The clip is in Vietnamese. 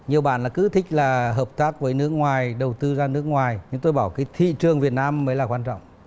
nhiều bạn cứ thích là hợp tác với nước ngoài đầu tư ra nước ngoài nên tôi bảo cái thị trường việt nam mới là quan trọng